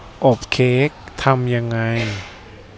อบเค้กทำยังไง